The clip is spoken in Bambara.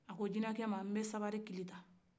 a ko jinɛkɛ ma a ko n bɛ sabali kili ta